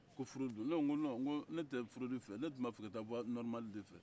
ko furodi don ne ko ko nɔn nko ne tɛ furodi fɛ ne tun b'a fɛ ka taa voie nɔrɔmali de fɛ